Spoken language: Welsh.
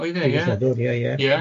Oedd e ie.